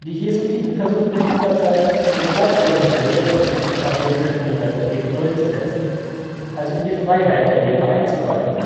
Jesuiten versuchten in dieser Zeit, ihre Vorstellungen der Lehre an den französischen Universitäten durchzusetzen, also in die Freiheit der Lehre einzugreifen